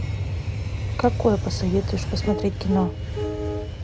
какое посоветуешь посмотреть кино